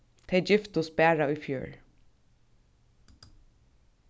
tey giftust bara í fjør